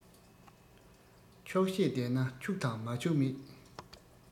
ཆོག ཤེས ལྡན ན ཕྱུག དང མ ཕྱུག མེད